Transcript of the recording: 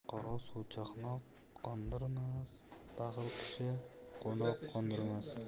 qora suv chanqoq qondirmas baxil kishi qo'noq qo'ndirmas